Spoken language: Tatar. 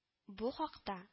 Бу хакта